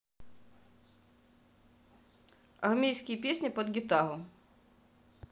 армейские песни под гитару